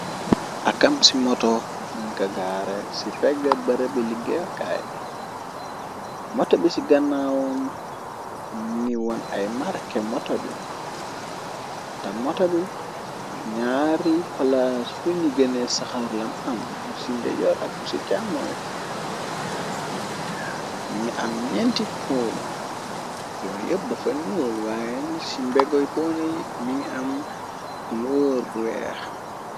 Akam ci moto ni ka gaare ci pegg bërabi liggéekaay moto bi ci ganaawoom ni won ay marake moto bi te moto bi ñaari palaas fu ni gene saxarlam am bu sindejoor ak bu ci càmmooy mi ngi am ñenti ponu ponu yepp da fa ñuul waayen ci mbegoy pooney mi ngi am ku loor bu yeex.